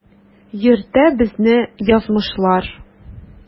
Йөртә безне язмышлар.